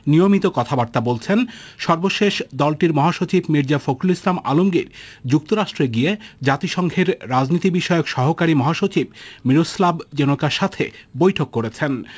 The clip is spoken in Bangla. নিয়মিত কথাবার্তা বলছেন সর্বশেষ দলটির মহাসচিব মির্জা ফখরুল ইসলাম আলমগীর যুক্তরাষ্ট্রে গিয়ে জাতিসংঘের রাজনীতিবিষয়ক সহকারী মহাসচিব মিরোস্লাভ যেনকার সাথে বৈঠক করেছেন